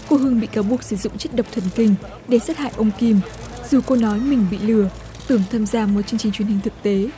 cô hương bị cáo buộc sử dụng chất độc thần kinh để sát hại ông kim dù cô nói mình bị lừa tưởng tham gia một chương trình truyền hình thực tế